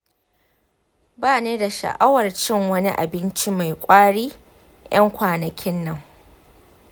bani da sha'awar cin wani abinci mai ƙwari ƴan kwanakin nan.